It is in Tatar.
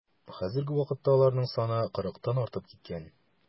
Хәзерге вакытта аларның саны кырыктан артып киткән.